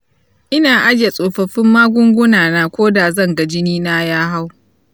ina ajiye tsofaffin magunguna na koda zan ga jini na ya hau.